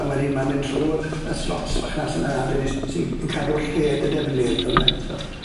A wedyn ma'n mynd trw'r y slots bach 'na sy 'na de sy yn cadw'r lled y defnydd fel dyfe so.